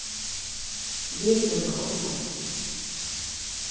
vit vera ov sein